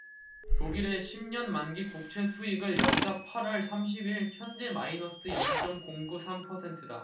독일의 십 년 만기 국채 수익률 역시 팔 월 삼십 일 현재 마이너스 영 쩜 공 구 삼 퍼센트다